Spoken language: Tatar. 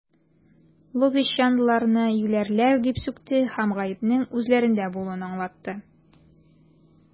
Лозищанлыларны юләрләр дип сүкте һәм гаепнең үзләрендә булуын аңлатты.